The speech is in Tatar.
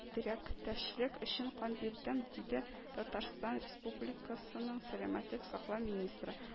Теләк тәшлек өчен кан бирдем, диде татарстан республикасының сәламәтлек саклау министры